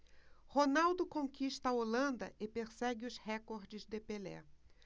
ronaldo conquista a holanda e persegue os recordes de pelé